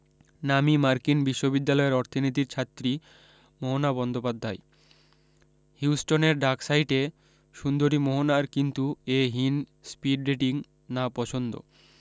নামী মার্কিন বিশ্ববিদ্যালয়ের অর্থনীতির ছাত্রী মোহনা বন্দ্যোপাধ্যায় হিউস্টনের ডাক সাইটে সুন্দরী মোহনার কিন্তু এ হেন স্পীড ডেটিং না পসন্দ